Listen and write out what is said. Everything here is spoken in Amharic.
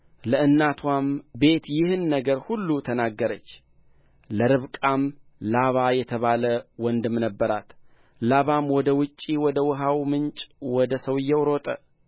ለእናትዋም ቤት ይህን ነገር ሁሉ ተናገረች ለርብቃም ላባ የተባለ ወንድም ነበራት ላባም ወደ ውጪ ወደ ውኃው ምንጭ ወደ ሰውዮው ሮጠ